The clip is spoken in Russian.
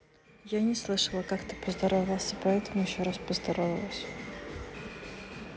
я не слышала как ты поздоровался поэтому еще раз поздоровалась